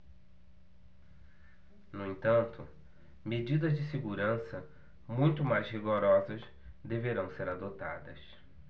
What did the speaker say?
no entanto medidas de segurança muito mais rigorosas deverão ser adotadas